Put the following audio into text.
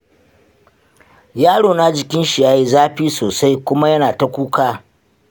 yaro na jikin shi yayi zafi sosai kuma yana ta kuka